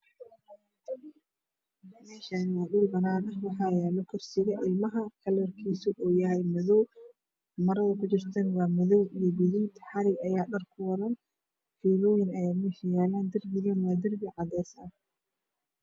Meeshaan waa dhul banaan ah waxaa yaalo kursiga ilmaha kalarkiisu waa madow marada kujirto waa madow iyo gaduud xarig ayaa dhar kuwaran. Fiilooyin ayaa meesha yaalo darbiga waa cadeys.